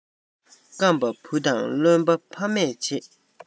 སྐམ པ བུ དང རློན པ ཕ མས བྱེད